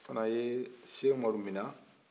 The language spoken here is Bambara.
o fana ye sɛk oumaru minɛ